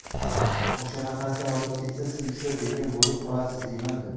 o'shanaqasi olib ketsa siz ushlab bergan bo'lib qolasiz deymanda